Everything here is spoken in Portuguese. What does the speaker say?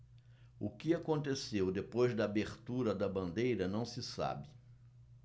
o que aconteceu depois da abertura da bandeira não se sabe